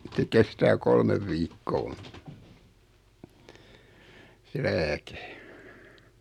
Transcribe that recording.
ja se kestää kolme viikkoa se lääke